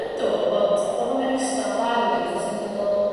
yndw ond dodd o'm yn ista'n dda 'fo fi 'chos o'n i'n meddwl